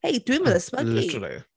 Hei, dwi'm yn... mm literally ...ysmygu.